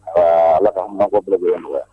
Aa ala ka mabɔkɔ bila yan nɔgɔya